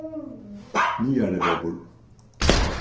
niðarivegur